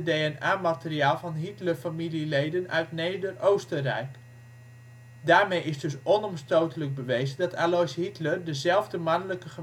DNA-materiaal van Hitlerfamilieleden uit Neder-Oostenrijk. Daarmee is dus onomstotelijk bewezen dat Alois Hitler dezelfde mannelijke